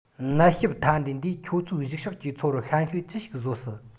ནད ཞིབ མཐའ འབྲས འདིས ཁྱོད ཚོའི གཞུག ཕྱོགས ཀྱི འཚོ བར ཤན ཤུགས ཅི ཞིག བཟོ སྲིད